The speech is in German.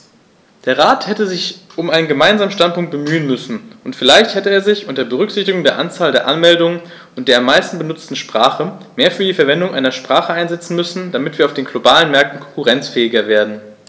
Der Rat hätte sich um einen gemeinsamen Standpunkt bemühen müssen, und vielleicht hätte er sich, unter Berücksichtigung der Anzahl der Anmeldungen und der am meisten benutzten Sprache, mehr für die Verwendung einer Sprache einsetzen müssen, damit wir auf den globalen Märkten konkurrenzfähiger werden.